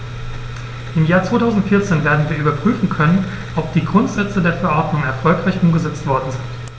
Im Jahr 2014 werden wir überprüfen können, ob die Grundsätze der Verordnung erfolgreich umgesetzt worden sind.